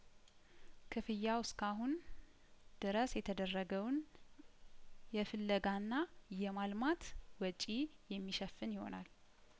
ክፍያው እስካሁን ድረስ የተደረገውን የፍለጋና የማልማት ወጪ የሚሸፍን ይሆናል